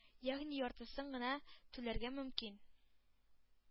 Ягъни яртысын гына түләргә мөмкин.